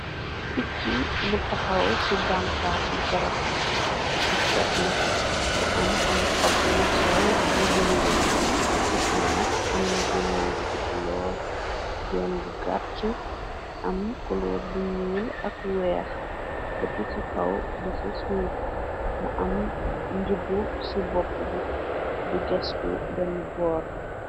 Picci mu taxaw ci banxas su garab ci cetli, mu am ay xob yu sew yu bariwul, picci mi nak am na gemmej gu guddu lool, genn bu gatt, am koloor bu ñuul ak weex, deppi ci kaw ba ci suuf, mu am njibbu ci bopp bi di gestu benn boor.